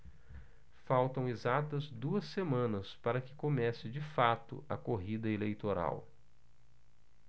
faltam exatas duas semanas para que comece de fato a corrida eleitoral